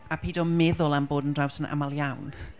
a peidio meddwl am bod yn draws yn aml iawn.